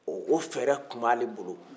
ɔ o fɛrɛ tun b'ale bolo